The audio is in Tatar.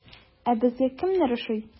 Ә безгә кемнәр ошый?